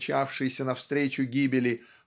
мчавшийся навстречу гибели